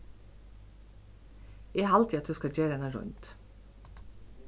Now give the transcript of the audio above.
eg haldi at tú skalt gera eina roynd